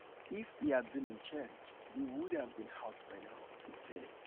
If he had been in charge, we would have been out by now,' he said.